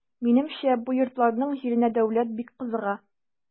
Минемчә бу йортларның җиренә дәүләт бик кызыга.